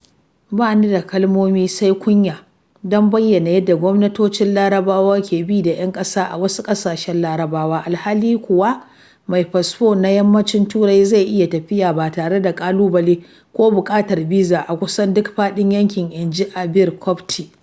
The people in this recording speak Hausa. "Ba ni da kalmomi, sai kunya, don bayyana yadda gwamnatocin Larabawa ke bi da ƴan ƙasa a wasu ƙasashen Larabawa, alhali kuwa mai fasfo na Yammacin Turai zai iya tafiya ba tare da kalubale ko buƙatar biza a kusan duk faɗin yankin" Inji Abir Kopty